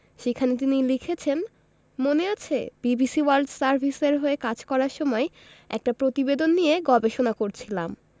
সেখানে তিনি লিখেছেন মনে আছে বিবিসি ওয়ার্ল্ড সার্ভিসের হয়ে কাজ করার সময় একটা প্রতিবেদন নিয়ে গবেষণা করছিলাম